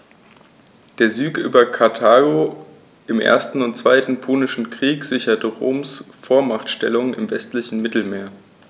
Der Sieg über Karthago im 1. und 2. Punischen Krieg sicherte Roms Vormachtstellung im westlichen Mittelmeer.